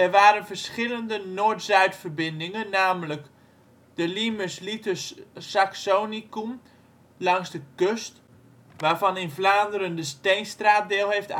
waren verschillende noord-zuidverbindingen, namelijk: de limes Litus Saxonicum langs de kust, waarvan in Vlaanderen de Steenstraat deel heeft uitgemaakt